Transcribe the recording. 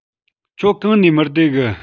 ཁྱོད གང ནས མི བདེ གི